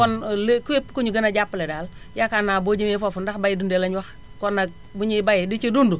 kon lé képp ku ñu gën a jàppale daal yaakaar naa boo ñëwee foofu ndax bay dundee lañu wax kon nag buñuy bay di ci dund